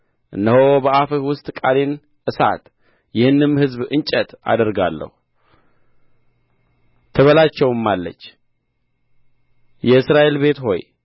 እነሆ በአፍህ ውስጥ ቃሌን እሳት ይህንም ሕዝብ እንጨት አደርጋለሁ ትበላቸውማለች የእስራኤል ቤት ሆይ